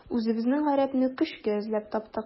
Үзебезнең гарәпне көчкә эзләп таптык.